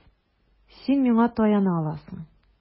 Син миңа таяна аласың.